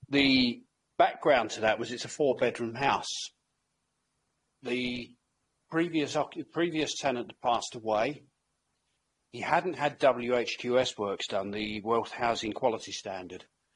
The background to that was it's a four bedroom house. The previous occup- previous tenant passed away, he hadn't had Double-you Haitch Que Ess works done, the Wealth Housing Quality Standard.